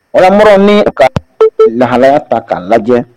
Min ka lahalaya ta k'a lajɛ